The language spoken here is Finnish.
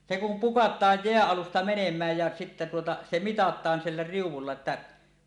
se kun pukataan jään alusta menemään ja sitten tuota se mitataan sillä riu'ulla että